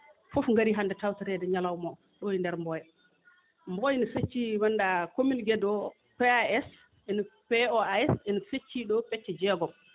fof ngarii hannde tawtoreede ñalawma oo ɗo e ndeer Mboya Mboya ne fecci mi anndaa commune Guédé o PAS POAS ene feccii ɗoo pecce jeegom